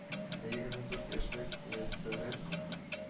Ә егерме дүрт яшьлек мияссәрә